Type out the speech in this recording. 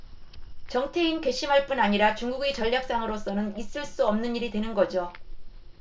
정태인 괘씸할 뿐만 아니라 중국의 전략상으로서는 있을 수 없는 일이 되는 거죠